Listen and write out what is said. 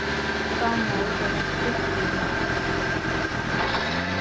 dánjal er ein fryntligur maður